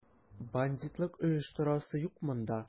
Бандитлык оештырасы юк монда!